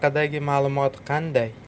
haqidagi ma'lumot qanday